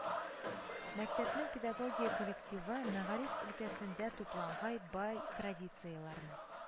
Мәктәпнең педагогия коллективы мәгариф өлкәсендә тупланган бай традицияләрне